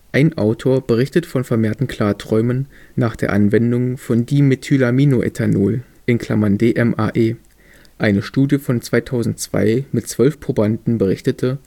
Ein Autor berichtet von vermehrten Klarträumen nach der Anwendung von Dimethylaminoethanol (DMAE). Eine Studie von 2002 mit 12 Probanden berichtete